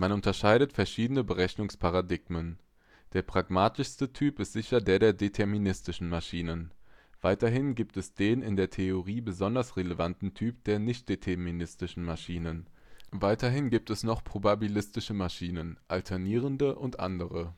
unterscheidet verschiedene Berechnungsparadigmen: der pragmatischste Typ ist sicher der der deterministischen Maschinen; weiterhin gibt es den in der Theorie besonders relevanten Typ der nichtdeterministischen Maschinen; weiterhin gibt es noch probabilistische Maschinen, alternierende und andere